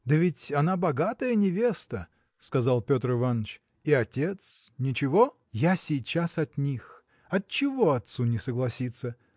Да ведь она богатая невеста, – сказал Петр Иваныч. – И отец. ничего? – Я сейчас от них. Отчего отцу не согласиться?